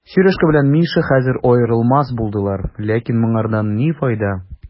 Сережка белән Миша хәзер аерылмас булдылар, ләкин моңардан ни файда?